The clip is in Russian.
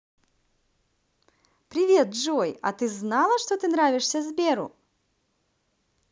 привет джой а ты знала что ты нравишься сберу